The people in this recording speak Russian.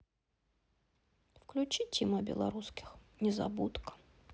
включи тима белорусских незабудка